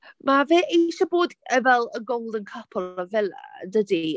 Mae fe eisiau bod yy fel y golden couple yn y villa, yndydi?